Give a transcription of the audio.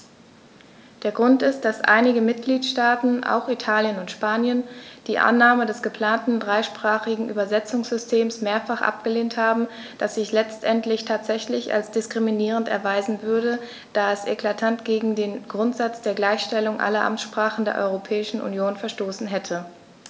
Der Grund ist, dass einige Mitgliedstaaten - auch Italien und Spanien - die Annahme des geplanten dreisprachigen Übersetzungssystems mehrfach abgelehnt haben, das sich letztendlich tatsächlich als diskriminierend erweisen würde, da es eklatant gegen den Grundsatz der Gleichstellung aller Amtssprachen der Europäischen Union verstoßen hätte.